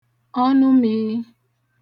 ọnụmiri